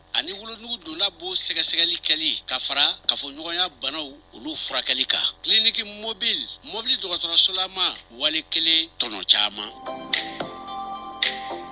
Ani wolonugu donda bo sɛgɛsɛgɛli kɛli k'a fara kafɔɲɔgɔnya banaw olu furakɛli kan clinique mobil mɔbili dɔgɔtɔrɔsolama wale 1 tɔnɔ caaman